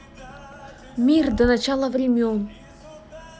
мир до начала времен